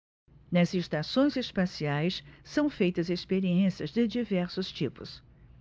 nas estações espaciais são feitas experiências de diversos tipos